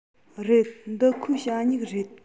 རེད འདི ཁོའི ཞ སྨྱུག རེད